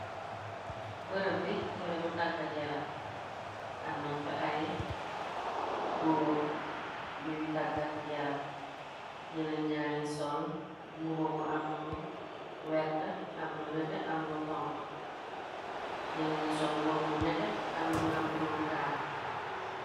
Bërëb bi bërëb bi tàggat yaram am nañ fa ay góor yuy tàggat yaram ñena ñangi sol mbubo bu am lu werta am lu nete am lu xonk ñena ni sol mbo bu nete am lu am duum taal.